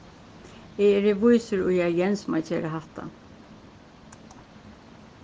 eg eri vísur í at jens má gera hatta